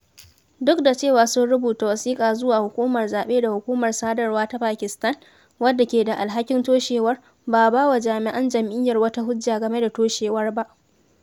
Duk da cewa sun rubuta wasiƙa zuwa hukumar zaɓe da Hukumar Sadarwa ta Pakistan (wadda ke da alhakin toshewar), ba a bawa jami'an jam'iyyar wata hujja game da toshewar ba.